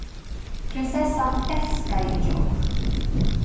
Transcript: prinsessan elskaði djór